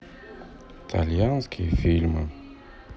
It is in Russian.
итальянские фильмы